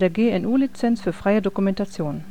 GNU Lizenz für freie Dokumentation